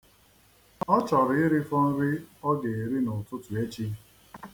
Ọ chọrọ irifọ nri ọ ga-eri n'ụtụtụ echi.